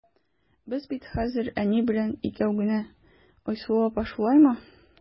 Без бит хәзер әни белән икәү генә, Айсылу апа, шулаймы?